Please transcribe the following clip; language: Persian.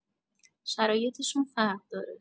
شرایطشون فرق داره